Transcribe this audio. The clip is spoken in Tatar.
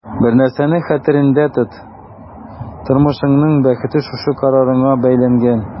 Бер нәрсәне хәтерендә тот: тормышыңның бәхете шушы карарыңа бәйләнгән.